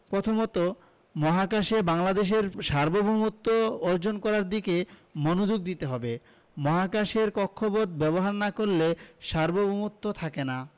প্রথমত মহাকাশে বাংলাদেশের সার্বভৌমত্ব অর্জন করার দিকে মনোযোগ দিতে হবে মহাকাশের কক্ষপথ ব্যবহার না করলে সার্বভৌমত্ব থাকে না